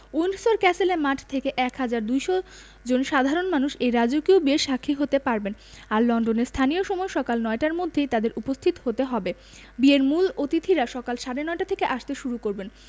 Windsor ক্যাসেলের মাঠ থেকে ১হাজার ২০০ জন সাধারণ মানুষ এই রাজকীয় বিয়ের সাক্ষী হতে পারবেন আর লন্ডনের স্থানীয় সময় সকাল নয়টার মধ্যে তাঁদের উপস্থিত হতে হবে বিয়ের মূল অতিথিরা সকাল সাড়ে নয়টা থেকে আসতে শুরু করবেন